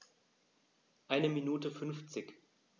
Eine Minute 50